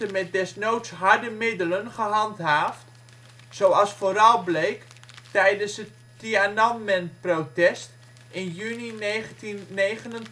met desnoods harde middelen gehandhaafd, zoals vooral bleek tijdens het Tiananmen-protest in juni 1989